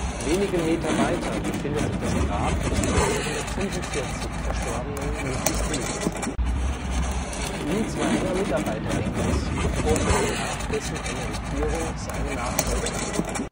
Wenige Meter weiter befindet sich das Grab des 1945 verstorbenen Ludwig Diels. Diels war enger Mitarbeiter Englers, bevor er nach Englers Emeritierung dessen Nachfolge antrat